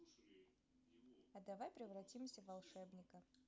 а давай превратимся в волшебника